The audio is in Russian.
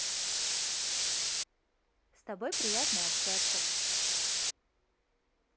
с тобой приятно общаться